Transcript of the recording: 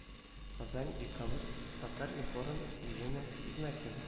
Казан декабрь татар-информ ирина игнатьева